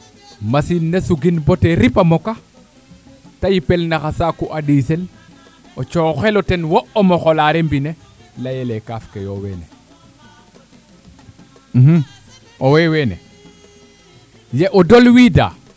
machine ne sugin bate ripa moka te yipel naxa saaku a ɗiisel o cooxelo wo o moxoraale mbine leyele kaaf keyo wey weene owey weene ye o dol wiida